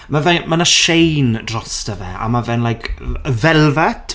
Ma' fe'n... ma' na' shein drosto fe a ma' fe'n like velvet?